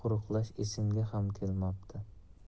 qo'riqlash esimga ham kelmabdi